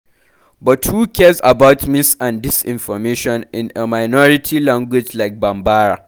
But who cares about mis- and disinformation in a minority language like Bambara?